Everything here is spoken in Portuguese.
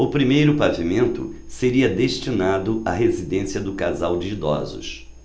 o primeiro pavimento seria destinado à residência do casal de idosos